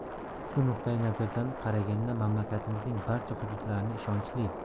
shu nuqtai nazardan qaraganda mamlakatimizning barcha hududlarini ishonchli